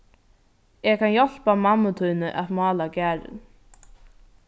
eg kann hjálpa mammu tíni at mála garðin